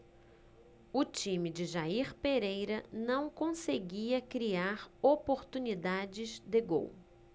o time de jair pereira não conseguia criar oportunidades de gol